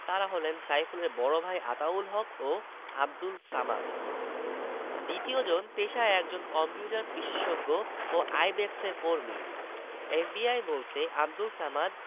তাঁরা হলেন সাইফুলের বড় ভাই আতাউল হক ও আবদুল সামাদ দ্বিতীয়জন পেশায় একজন কম্পিউটার বিশেষজ্ঞ ও আইব্যাকসের কর্মী এফবিআই বলছে আবদুল সামাদ